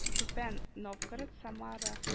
Түбән Новгород, Самара